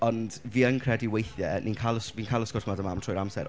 Ond fi yn credu weithiau ni'n cael y s- fi'n cael y sgwrs 'ma 'da Mam trwy'r amser.